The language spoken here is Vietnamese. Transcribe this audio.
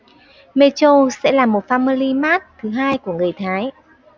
metro sẽ là một family mart thứ hai của người thái